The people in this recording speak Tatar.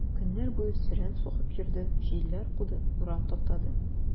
Көннәр буе сөрән сугып йөрде, җилләр куды, урам таптады.